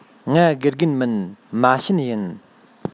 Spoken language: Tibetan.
ང དགེ རྒན མིན མ བྱན ཡིན